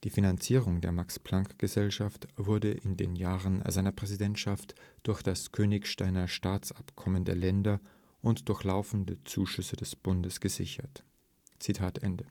Finanzierung der Max-Planck-Gesellschaft wurde in den Jahren seiner Präsidentschaft durch das Königsteiner Staatsabkommen der Länder und durch laufende Zuschüsse des Bundes gesichert. “– Adolf